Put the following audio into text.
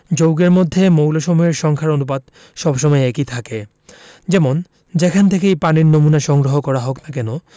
যৌগের মধ্যে মৌলসমূহের সংখ্যার অনুপাত সব সময় একই থাকে যেমন যেখান থেকেই পানির নমুনা সংগ্রহ করা হোক না কেন